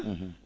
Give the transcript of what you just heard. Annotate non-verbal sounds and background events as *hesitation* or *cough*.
*hesitation* *hesitation*